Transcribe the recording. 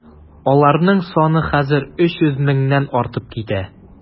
Аларның саны хәзер 300 меңнән артып китә.